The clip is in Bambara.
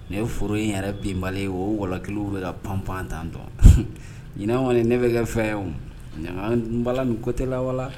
Nin foro in yɛrɛ binbali ye o wɔlɔkiliw bɛ ka pan-pan tan tɔ ɲinɛ kɔni ne bɛ kɛ fɛn ye wo, na n ka n balan nin coté la wa